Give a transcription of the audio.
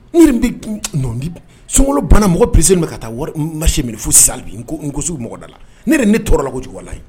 sunkalo baana mɔgɔ perese bɛ ka taa wari nasi minɛ fosisan hali bi ni ko sugu bɛ mɔgɔ da la ne yɛrɛ ne tɔɔrɔla ko jugu walahi